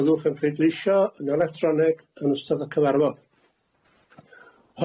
Fyddwch yn pleidleisio yn electronig yn ystod y cyfarfod.